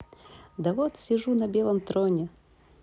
да вот сижу на белом троне